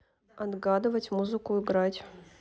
отгадывать музыку играть